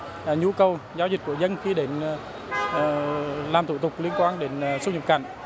nhu cầu giao dịch của dân khi đến làm thủ tục liên quan đến xuất nhập cảnh